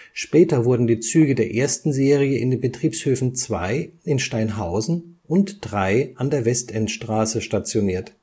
Später wurden die Züge der ersten Serie in den Betriebshöfen 2 in Steinhausen und 3 an der Westendstraße stationiert